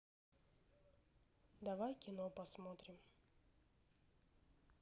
давай кино посмотрим